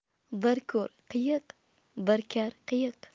bir ko'r qiyiq bir kar qiyiq